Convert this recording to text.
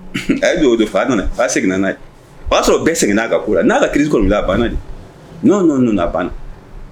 A ye don o don fa a nana ba seginna' o'a sɔrɔ bɛɛ segin n'a ka n'a ka kiri kolon' banna de nɔn donna ban